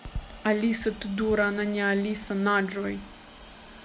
алиса ты дура она не алиса на джой